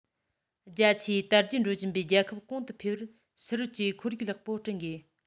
རྒྱ ཆེའི དར རྒྱས འགྲོ བཞིན པའི རྒྱལ ཁབ གོང དུ འཕེལ བར ཕྱི རོལ གྱི ཁོར ཡུག ལེགས པོ བསྐྲུན དགོས